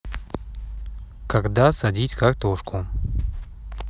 когда садить картошку